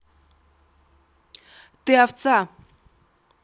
ты овца